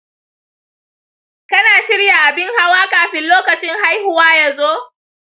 kana shirya abin hawa kafin lokacin haihuwa ya zo?